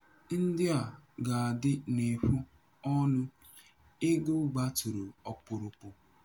Ndị a ga adị na-efu ọnụ ego gbatụrụ ọkpụrụkpụ.